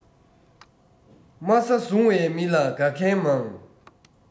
དམའ ས བཟུང བའི མི ལ དགའ མཁན མང